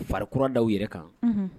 Fari kura da o yɛrɛ kan .